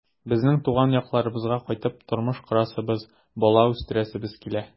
Безнең туган якларыбызга кайтып тормыш корасыбыз, бала үстерәсебез килә.